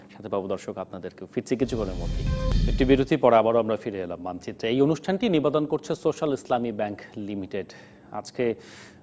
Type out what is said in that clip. সাথে পাব দর্শক আপনাদেরকে ফিরছি কিছুক্ষণের মধ্যেই একটি বিরতির পর আবারও আমরা ফিরে এলাম মানচিত্রে এই অনুষ্ঠানটি নিবেদন করছে সোশ্যাল ব্যাংক লিমিটেড আজকে